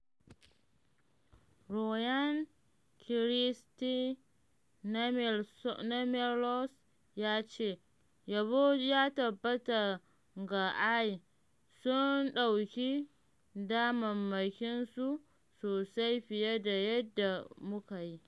Robyn Christie na Melrose ya ce: “Yabo ya tabbata ga Ayr, sun ɗauki damammakinsu sosai fiye da yadda muka yi.”